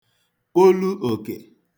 kpolu òkè